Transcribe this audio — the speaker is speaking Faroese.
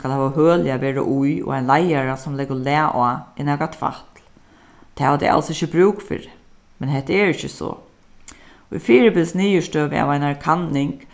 skal hava høli at vera í og ein leiðara sum leggur lag á er nakað tvætl tað hava tey als ikki brúk fyri men hetta er ikki so í fyribils niðurstøðu av einari kanning